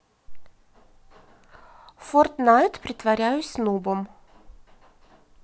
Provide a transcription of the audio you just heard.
фортнайт притворяюсь нубом